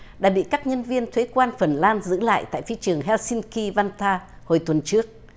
đã bị cắt nhân viên thuế quan phần lan giữ lại tại phi trường he sin ki van ta hồi tuần trước